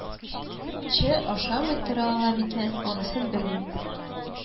Чы ашамый тора ала микән, анысын белмим